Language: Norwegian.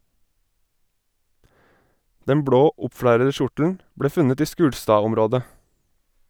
Den blå oppflerrede kjortelen ble funnet i Skulstadområdet.